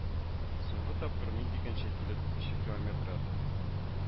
Соңгы тапкыр мин дигәнчә килеп чыкилометрады